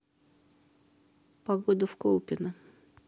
погода в колпино